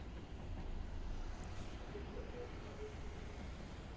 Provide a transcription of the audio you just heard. а ты че окко выключил